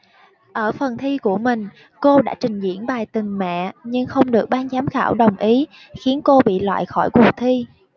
ở phần thi của mình cô đã trình diễn bài tình mẹ nhưng không được ban giám khảo đồng ý khiến cô bị loại khỏi cuộc thi